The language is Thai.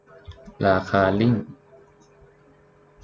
ราคาลิ้ง